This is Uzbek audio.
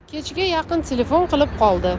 kechga yaqin telefon qilib qoldi